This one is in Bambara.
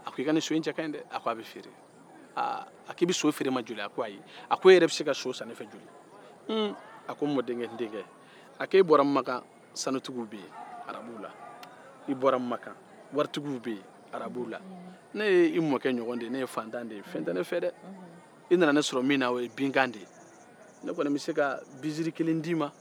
hum a ko n mɔdenkɛ n denkɛ a k'e bɔra makan sanutigiw bɛ yen arabuw la i bɔra mankan waritigiw bɛ yen arabuw la ne ye i mɔkɛ ɲɔgɔn de ye ne ye faantan de ye fɛn tɛ ne fɛ dɛ i nana ne sɔrɔ min na o ye bin kan de ye ne kɔni bɛ se ka binsiri kelen d'i man n'i ya ye e bɛ se ka so di yan